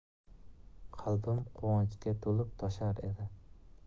qalbim quvonchga to'lib toshar edi